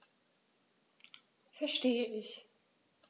Verstehe nicht.